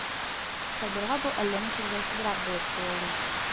Сабирга бу әллә ничек җайсызрак булып тоелды